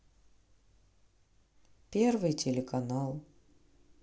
первый телеканал